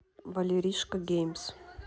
валеришка геймс